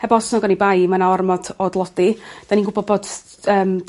Heb os nag oni bai ma' 'na ormod o dlodi 'dan ni'n gwbod bod yym